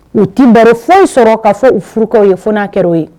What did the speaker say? U tba fɔw sɔrɔ ka fɔ u furukaww ye f n'a kɛra'o ye